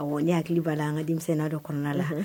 Awɔ, ne hakili b'a la an ka denmisɛnniya dɔ kɔnɔna la. Unhun!